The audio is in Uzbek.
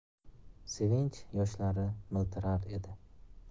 sevinch yoshlari miltirar edi